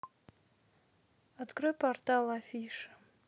открой портал афиша